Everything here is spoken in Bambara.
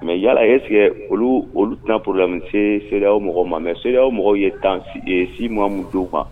Mɛ yalala olu olu t poro la se seere mɔgɔ ma mɛ seereraw mɔgɔw ye tan si mamudenw kan